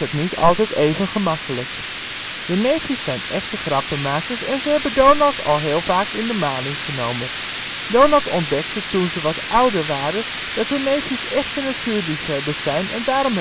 niet altijd even gemakkelijk). De neefjes zijn echte grappenmakers en ze hebben Donald al heel vaak in de maling genomen. Donald ontdekte toen ze wat ouder waren dat de neefjes echte natuurliefhebbers zijn en daarom